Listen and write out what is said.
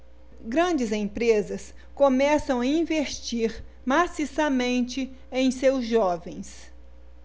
grandes empresas começam a investir maciçamente em seus jovens